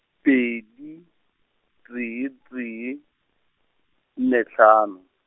pedi, tee tee, nne hlano.